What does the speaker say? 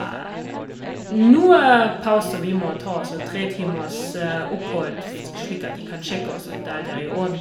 Noe pauser vi må ta, så tre timers opphold f slik at de kan sjekke oss at alt er i orden.